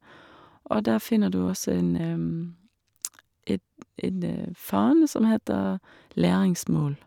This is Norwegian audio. Og der finner du også en et en fane som heter læringsmål.